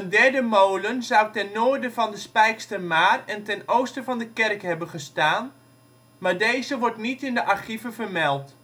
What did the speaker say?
derde molen zou ten noorden van de Spijkstermaar en ten oosten van de kerk hebben gestaan, maar deze wordt niet in de archieven vermeld